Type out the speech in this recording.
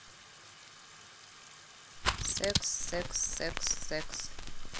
секс секс секс секс